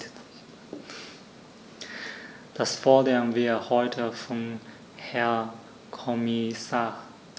Das fordern wir heute vom Herrn Kommissar.